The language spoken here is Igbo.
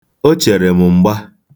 O chere m mgba.